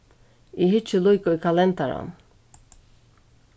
eg hyggi líka í kalendaran